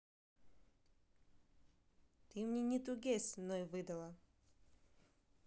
ты не 2gis мной выдала